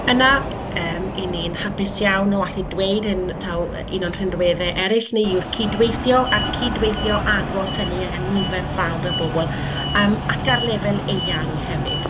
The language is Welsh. Yna, yym 'y ni'n hapus iawn o allu dweud, yym taw un o'n rhinweddau eraill ni yw'r cydweithio a'r cydweithio agos hynny yn nifer fawr o bobl yym ac ar lefel eang hefyd.